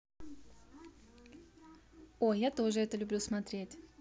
ой я тоже это люблю смотреть